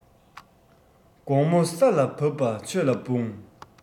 དགོངས མོ ས ལ བབས ལ ཆོས ལ འབུངས